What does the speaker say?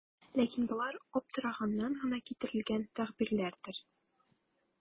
Ләкин болар аптыраганнан гына китерелгән тәгъбирләрдер.